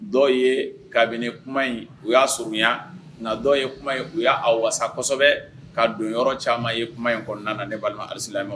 Dɔw ye kabini kuma in u y'a surunya na dɔw ye kuma ye u y'a wasa kosɛbɛ ka don yɔrɔ caman ye kuma in kɔnɔna ne balima alisilame